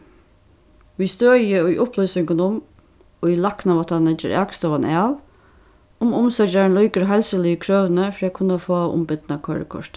við støði í upplýsingunum í læknaváttanini ger akstovan av um umsøkjarin lýkur heilsuligu krøvini fyri at kunna fáa umbidna koyrikortið